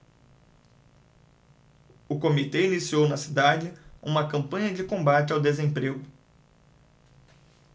o comitê iniciou na cidade uma campanha de combate ao desemprego